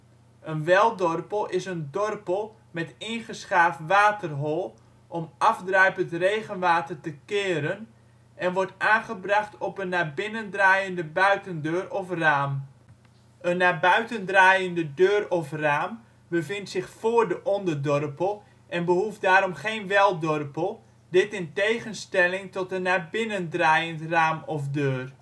Een weldorpel is een dorpel met ingeschaafd waterhol, om afdruipend regenwater te keren en wordt aangebracht op een naar binnendraaiende buitendeur of raam. Een naar buitendraaiend deur of raam bevindt zich vóór de onderdorpel en behoeft daarom geen weldorpel dit in tegenstelling tot een naar binnendraaiend raam of deur